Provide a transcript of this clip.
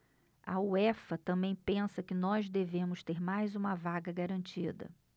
a uefa também pensa que nós devemos ter mais uma vaga garantida